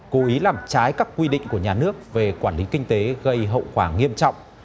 cố ý làm trái các quy định của nhà nước về quản lý kinh tế gây hậu quả nghiêm trọng